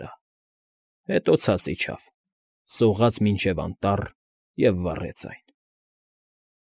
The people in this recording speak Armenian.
Վրա, հետո ցած իջավ, սողաց մինչև անտառ ու վառեց այն։